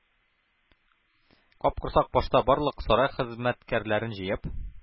Капкорсак патша барлык сарай хезмәткәрләрен җыеп,